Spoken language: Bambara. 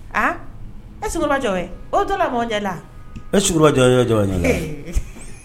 A ejɔ o dɔ bɔnɔnjɛ la ejɔ